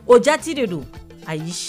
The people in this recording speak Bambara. O jate de don a y' si